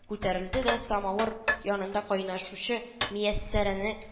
Күтәрелде дә самавыр янында кайнашучы мияссәрәне